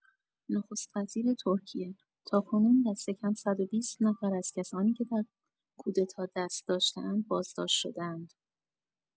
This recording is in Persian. نخست‌وزیر ترکیه: تاکنون دستکم ۱۲۰ نفر از کسانی که در کودتا دست داشته‌اند، بازداشت شده‌اند.